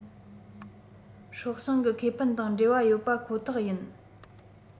སྲོག ཤིང གི ཁེ ཕན དང འབྲེལ བ ཡོད པ ཁོ ཐག ཡིན